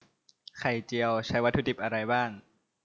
ไข่เจียวใช้วัตถุดิบอะไรบ้าง